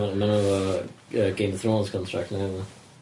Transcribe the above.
Ma' ma' nw efo yy Game of Thrones contract neu wbath.